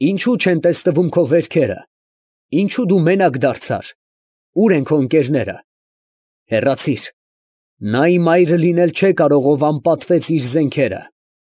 Ի՞նչու չեն տեսնվում քո վերքերը, ի՞նչու դու մենակ դարձար, ո՞ւր են քո ընկերները. հեռացի՛ր, նա իմ այրը լինել չէ կարող, որ անպատվեց իր զենքերը»։